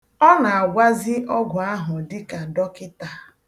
Ọ na-agwazi ọgwụ ahụ dịka dọkịta.